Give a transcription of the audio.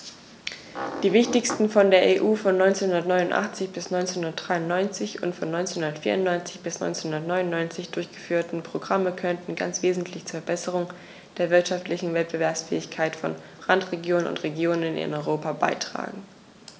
Die wichtigsten von der EU von 1989 bis 1993 und von 1994 bis 1999 durchgeführten Programme konnten ganz wesentlich zur Verbesserung der wirtschaftlichen Wettbewerbsfähigkeit von Randregionen und Regionen in Europa beitragen.